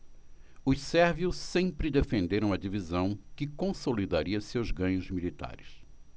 os sérvios sempre defenderam a divisão que consolidaria seus ganhos militares